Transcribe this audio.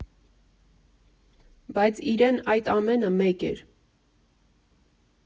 Բայց իրեն այդ ամենը մեկ էր։